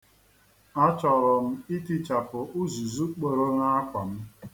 Achọrọ m itichapụ uzuzu kpọro n'akwa m.